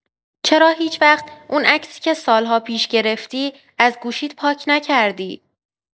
چرا هیچ‌وقت اون عکسی که سال‌ها پیش‌گرفتی، از گوشیت پاک نکردی؟